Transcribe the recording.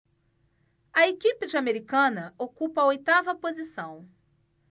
a equipe de americana ocupa a oitava posição